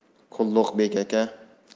qulluq bek aka